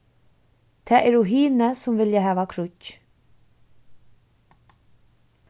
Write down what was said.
tað eru hini sum vilja hava kríggj